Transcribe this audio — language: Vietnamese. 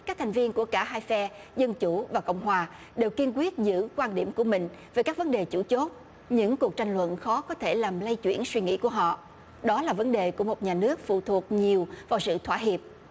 các thành viên của cả hai phe dân chủ và cộng hòa đều kiên quyết giữ quan điểm của mình về các vấn đề chủ chốt những cuộc tranh luận khó có thể làm lay chuyển suy nghĩ của họ đó là vấn đề của một nhà nước phụ thuộc nhiều vào sự thỏa hiệp